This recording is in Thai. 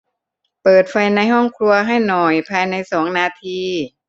เปิดไฟในห้องครัวให้หน่อยภายในสองนาที